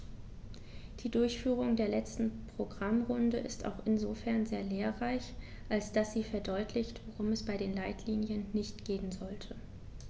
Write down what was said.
Die Durchführung der letzten Programmrunde ist auch insofern sehr lehrreich, als dass sie verdeutlicht, worum es bei den Leitlinien nicht gehen sollte.